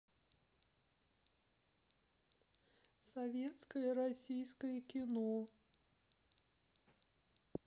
советское российское кино